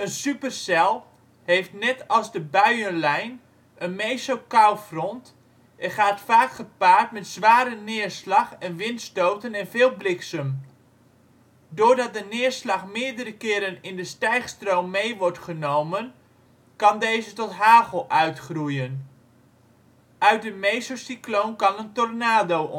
supercel heeft net als de buienlijn een meso-koufront en gaat vaak gepaard met zware neerslag en windstoten en veel bliksem. Doordat de neerslag meerdere keren in de stijgstroom mee wordt genomen, kan deze tot hagel uitgroeien. Uit de mesocycloon kan een tornado